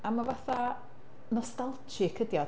A ma' fatha nostalgic ydy o.